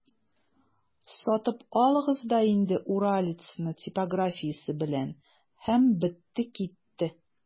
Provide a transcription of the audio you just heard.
Сатып алыгыз да инде «Уралец»ны типографиясе белән, һәм бетте-китте!